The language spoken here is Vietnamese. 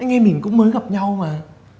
anh em mình cũng mới gặp nhau mà